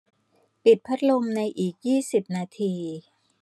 ปิดพัดลมในอีกยี่สิบนาที